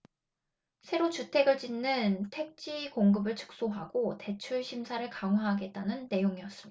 새로 주택을 짓는 택지공급을 축소하고 대출 심사를 강화하겠다는 내용이었습니다